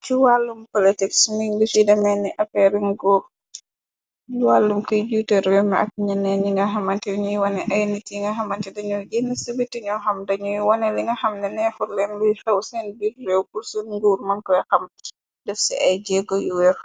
Ci wàllum politics mingdici demee ni aperin guup wàllum kiy juute réme ak yeneen ñi nga xamante y ñuy wone ay nit yi nga xamante dañu jënn sibiti ñoo xam dañuy wone li nga xam ne neexurleen luy xew seen juute réew kursun nguur mën koy xam def ci ay jeego yu weer.